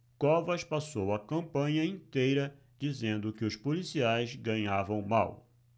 covas passou a campanha inteira dizendo que os policiais ganhavam mal